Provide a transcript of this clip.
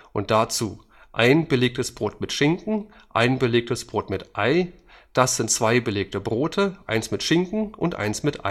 und dazu ein belegtes Brot mit Schinken, ein belegtes Brot mit Ei. Das sind zwei belegte Brote, eins mit Schinken und eins mit